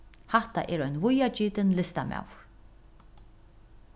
hatta er ein víðagitin listamaður